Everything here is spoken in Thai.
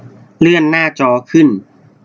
เลื่อนหน้าจอขึ้น